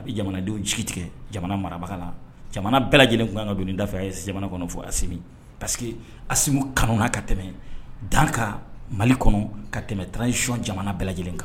A bɛ Jamanadenw jigi tigɛ jamana marabaga la , jamana bɛɛ lajɛlen tun ka kan ka don nin da fɛ A E S jamana kɔnɔ fɔ Asimi parce que Asimu kanuna ka tɛmɛ dan ka Mali kɔnɔ ka tɛmɛ transition jamana bɛɛ lajɛlen kan.